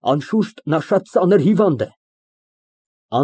Անշուշտ նա շատ ծանր հիվանդ է։